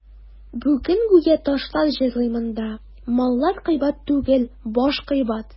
Бүген гүя ташлар җырлый монда: «Маллар кыйбат түгел, баш кыйбат».